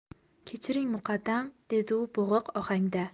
kechiring muqaddam dedi u bo'g'iq ohangda